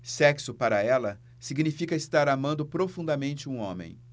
sexo para ela significa estar amando profundamente um homem